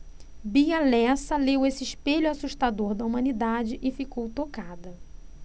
bia lessa leu esse espelho assustador da humanidade e ficou tocada